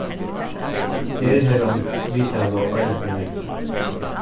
her hevur hann viðtalu eina ferð um vikuna